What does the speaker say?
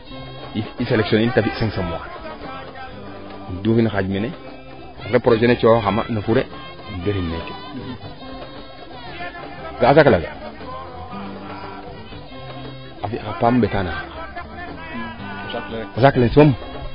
i selection ne in te fi im duufin xaaj mene kene projet ne coxaxama im xure im berin mene ga'a saak laaga a fi xa paam ɓeta naxaq o saak le soom